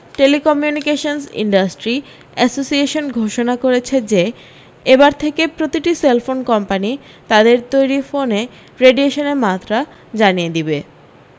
telecommunications industry association ঘোষণা করেছে যে এবার থেকে প্রতিটি সেলফোন কোম্পানী তাদের তৈরী ফোনে রেডিয়েশনের মাত্রা জানিয়ে দেবে